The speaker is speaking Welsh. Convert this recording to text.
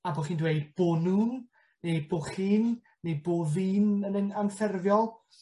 a bo' chi'n dweud bo' nw'n neu bo' chi'n, neu bo' fi'n yn yn- anffurfiol